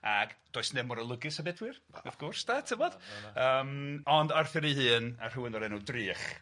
Ac does neb mor olygus a Bedwyr, wrth gwrs de tibod yym ond Arthur ei hun a rhywun o'r enw Drych.